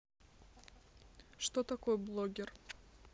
что такое блогер